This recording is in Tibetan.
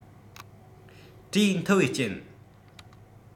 དྲས མཐུད བའི རྐྱེན